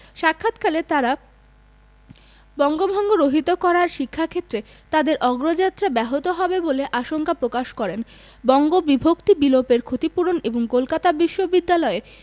সাক্ষাৎকালে তাঁরা বঙ্গভঙ্গ রহিত করার শিক্ষাক্ষেত্রে তাদের অগ্রযাত্রা ব্যাহত হবে বলে আশঙ্কা প্রকাশ করেন বঙ্গবিভক্তি বিলোপের ক্ষতিপূরণ এবং কলকাতা বিশ্ববিদ্যালয়ের